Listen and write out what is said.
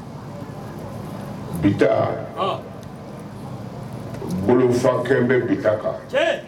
Bi bolofankɛ bɛ bi kan